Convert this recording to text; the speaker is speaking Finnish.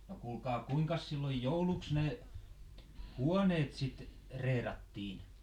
no kuulkaa kuinkas silloin jouluksi ne huoneet sitten reerattiin